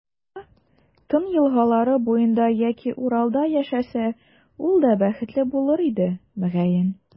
Ра, Тын елгалары буенда яки Уралда яшәсә, ул да бәхетле булыр иде, мөгаен.